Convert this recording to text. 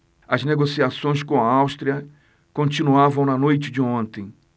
as negociações com a áustria continuavam na noite de ontem